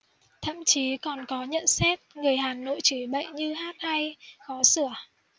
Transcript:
thậm chí còn có nhận xét người hà nội chửi bậy như hát hay khó sửa